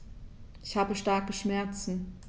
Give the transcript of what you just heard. Ich habe starke Schmerzen.